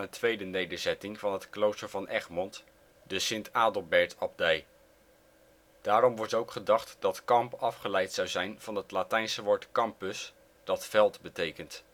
tweede nederzetting van het klooster van Egmond, de Sint-Adelbertabdij. Daarom wordt ook gedacht dat ' camp ' afgeleid zou zijn van het Latijnse woord campus, dat ' veld ' betekent